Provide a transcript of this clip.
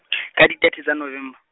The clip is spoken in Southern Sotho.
ka di thirty tsa November.